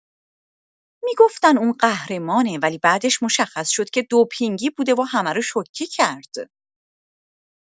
می‌گفتن اون قهرمانه، ولی بعدش مشخص شد که دوپینگی بوده و همه رو شوکه کرد!